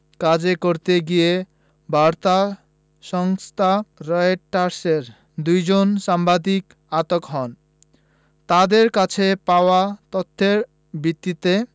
কাজ করতে গিয়ে বার্তা সংস্থা রয়টার্সের দুজন সাংবাদিক আটক হন তাঁদের কাছে পাওয়া তথ্যের ভিত্তিতে